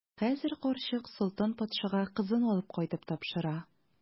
Хәзер карчык Солтан патшага кызын алып кайтып тапшыра.